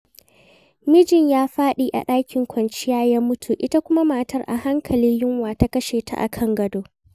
Mijin ya faɗi a ɗakin kwanciya ya mutu, ita kuma matar a hankali yunwa ta kashe ta a kan gado.